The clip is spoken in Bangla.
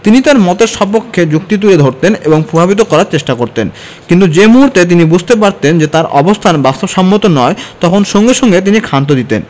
তিনি তাঁর মতের সপক্ষে যুক্তি তুলে ধরতেন এবং প্রভাবিত করার চেষ্টা করতেন কিন্তু যে মুহূর্তে তিনি বুঝতে পারতেন যে তাঁর অবস্থান বাস্তবসম্মত নয় তখন সঙ্গে সঙ্গে তিনি ক্ষান্ত দিতেন